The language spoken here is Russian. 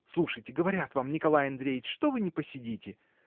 Слушайте, говорят вам, Николай Андреич, что вы не посидите!.